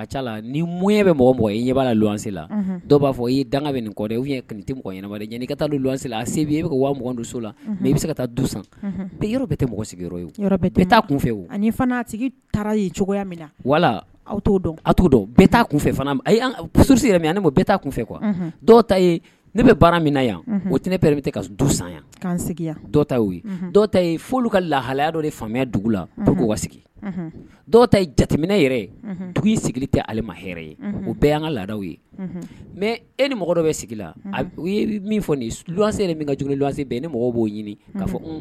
A wala kun kuwa dɔw ta ne bɛ baara min na yan o t p ka du san yan ta ta ye fo ka lahalaya dɔ de fa dugu la dɔw ta ye jateminɛ yɛrɛ ye dugu sigilen tɛ ali ma hɛ ye u bɛɛ an ka law ye mɛ e ni mɔgɔ dɔ bɛ sigi min fɔ nin se ye min ka b' ɲini ye